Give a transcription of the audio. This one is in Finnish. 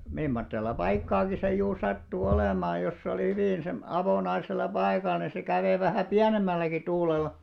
mimmoisella paikkaakin se juuri sattui olemaan jos se oli hyvin - avonaisella paikalla niin se kävi vähän pienemmälläkin tuulella